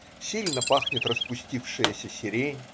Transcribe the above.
Сильно пахнет распустившаяся сирень.